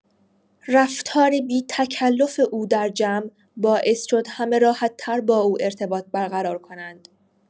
رفتار بی‌تکلف او در جمع باعث شد همه راحت‌تر با او ارتباط برقرار کنند.